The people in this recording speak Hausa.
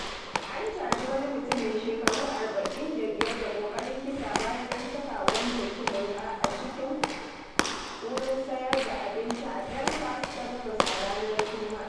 An caji wani mutum mai shekaru 45 da ƙoƙarin kisa bayan an caka wa wani mutum wuƙa a cikin wurin sayar da abinci a Belfast ta gabas a ranar Juma'a.